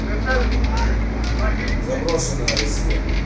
заброшенная россия